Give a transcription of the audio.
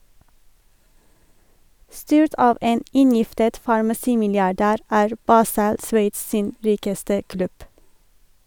Styrt av en inngiftet farmasimilliardær er Basel Sveits sin rikeste klubb.